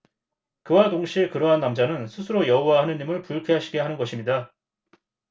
그와 동시에 그러한 남자는 스스로 여호와 하느님을 불쾌하시게 하는 것입니다